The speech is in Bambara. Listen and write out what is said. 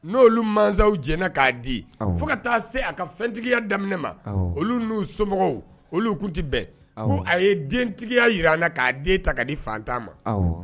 N' olu masaw diɲɛna k'a di, awɔ, fo ka taa se, a ka fɛntigiya daminɛ ma, olu n'u somɔgɔw olu tun tɛ bɛn, ko a ye dentigiya jira la k'a den ta ka di fantan ma, awɔ.